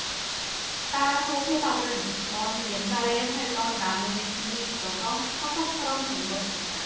따라서 호박은 먼 옛날에 살던 나무의 진이 굳어서 화석처럼 된 것입니다